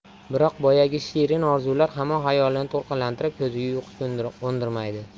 biroq boyagi shirin orzular hamon xayolini to'lqinlantirib ko'ziga uyqu qo'ndirmaydi